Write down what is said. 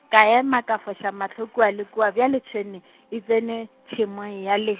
ka ema ka foša mahlo kua le kua bjale tšhwene, e tsene, tšhemong ya le.